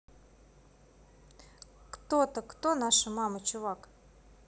кто то кто наша мама чувак